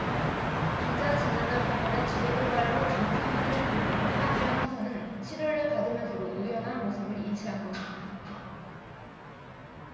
기자 지난달 북한의 지뢰 도발로 중상을 입은 하재헌 하사는 치료를 받으면서도 의연한 모습을 잃지 않고 있습니다